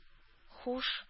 Һуш